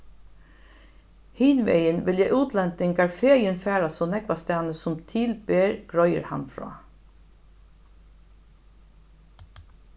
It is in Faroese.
hinvegin vilja útlendingar fegin fara so nógva staðni sum til ber greiðir hann frá